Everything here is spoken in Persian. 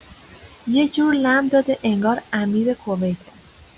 یجور لم‌داده انگار امیر کویته